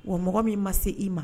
Wa mɔgɔ min ma se i ma